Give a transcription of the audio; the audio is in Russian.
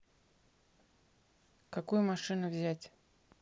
какую машину взять